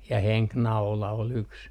ja henkinaula oli yksi